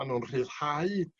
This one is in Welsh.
Ma' nw'n rhyddhau